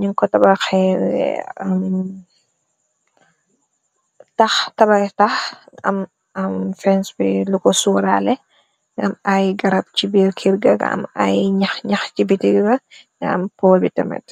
ñin ko taaxetax tabak taxam fensb lu ko suurale ngam ay garab ci biir kirgga am ay ñax-ñax ci bitiga na am pol bi temet